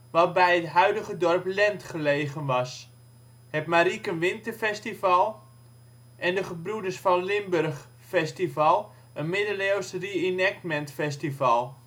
wat bij het huidige dorp Lent gelegen was) Mariken Winterfestival Gebroeders Van Limburg festival (middeleeuws re-enactment festival